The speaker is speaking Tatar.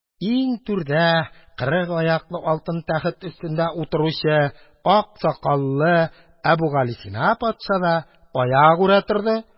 Иң түрдә кырык аяклы алтын тәхет өстендә утыручы ак сакаллы Әбүгалисина патша да аягүрә торды